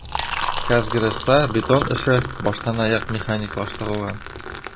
"казгрэс"та бетон эше баштанаяк механикалаштырылган.